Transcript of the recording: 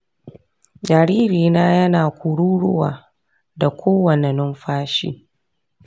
jaririna yana kururuwa da kowane numfashi.